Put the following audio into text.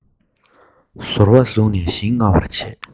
ཟོར བ བཟུང ནས ཞིང རྔ བར བྱེད